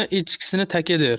echkisini taka der